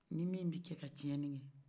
ni min be kɛ ka tiɲɛli kɛ